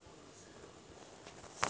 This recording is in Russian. я люблю твою жену